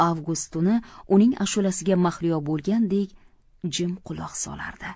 vgust tuni uning ashulasiga mahliyo bo'lgandek jim quloq solardi